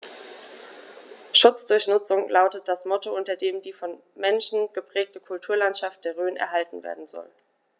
„Schutz durch Nutzung“ lautet das Motto, unter dem die vom Menschen geprägte Kulturlandschaft der Rhön erhalten werden soll.